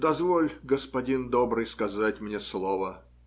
- Дозволь, господин добрый, сказать мне слово.